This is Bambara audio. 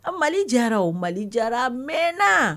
A mali jara o mali jara mɛnna